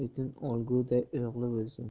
o'tin olguday o'g'li bo'lsin